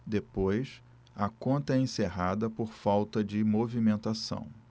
depois a conta é encerrada por falta de movimentação